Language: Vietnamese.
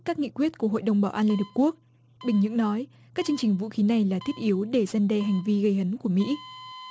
các nghị quyết của hội đồng bảo an liên hiệp quốc bình nhưỡng nói các chương trình vũ khí này là thiết yếu để răn đe hành vi gây hấn của mỹ